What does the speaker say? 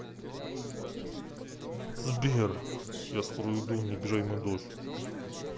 сбер я скоро уйду не обижай мою дочь